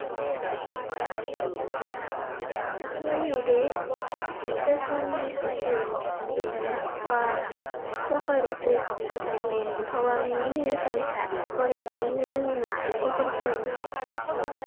ก็เคยอยู่เดะ แต่ส่วนใหญ่จะซื้อของจำเป็นมากกว่า บ่ค่อยได้ซื้อของบ่จำเป็น เพราะว่าเงินมีจำกัด บ่ได้มีเงินหลายคือคนอื่นเขา